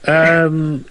Yym.